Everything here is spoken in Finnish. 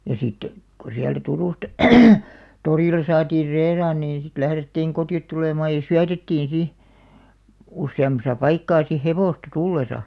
ja sitten kun sieltä Turusta torilla saatiin reilaan niin sitten lähdettiin kotiin tulemaan ja syötettiin sitten useammassa paikkaa sitten hevosta tullessa